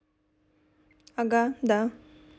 ага да